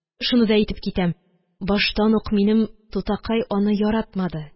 Шуны да әйтеп китәм: баштан ук минем тутакай аны яратмады.